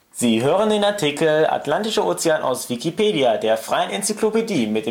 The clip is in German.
Sie hören den Artikel Atlantischer Ozean, aus Wikipedia, der freien Enzyklopädie